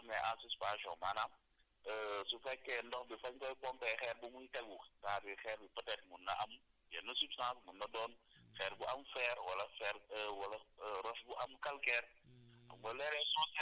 c' est à dire yenn particules yoo xam ne à suspension maanaam su fekkee ndox bi fañ koy pompé xeer bu muy tegu c' est à dire xeer bi peut être mun na am yenn substances mun na doon xeer bu am fer wala fer wala roche bu am calcaire